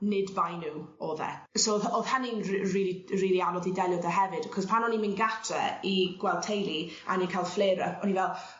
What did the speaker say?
nid bai n'w o'dd e. So o'dd o'dd hynny'n ri- rili rili anodd i delio 'dy hefyd 'c'os pan o'n i'n mynd gartre i gweld teulu a o'n i'n ca'l flare up o'n i fel